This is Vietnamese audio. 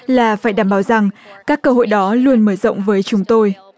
là phải đảm bảo rằng các cơ hội đó luôn mở rộng với chúng tôi